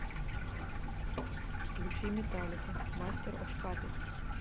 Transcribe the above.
включи металлика мастер оф паппетс